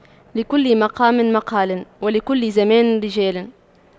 لكل مقام مقال ولكل زمان رجال